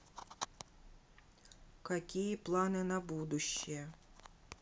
какие планы на будущее